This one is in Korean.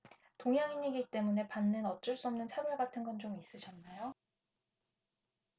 동양인이기 때문에 받는 어쩔 수 없는 차별 같은 건 좀 있으셨나요